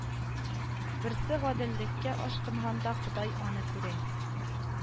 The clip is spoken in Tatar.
Берсе гаделлекә ашкынганда, Ходай аны күрә